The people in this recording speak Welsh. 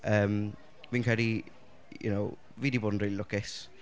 Yym, fi'n credu... you know fi 'di bod yn rili lwcus